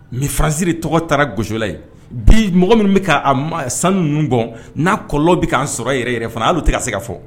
Mais Faransi tɔgɔ taara gosi o la yen, bi mɔgɔ minnu bɛ k'a sanu ninnu bɔ n'a kɔlɔ bɛ k'an sɔrɔ yɛrɛ yɛrɛ fana hali o tɛ se ka fɔ.